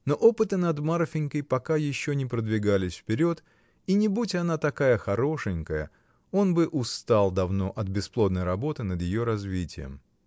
Но опыты над Марфинькой пока еще не подвигались вперед, и, не будь она такая хорошенькая, он бы устал давно от бесплодной работы над ее развитием.